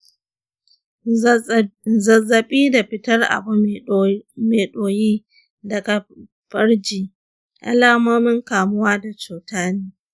zazzaɓi da fitar abu mai ɗoyi daga farji alamomin kamuwa da cuta ne